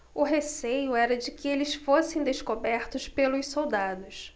o receio era de que eles fossem descobertos pelos soldados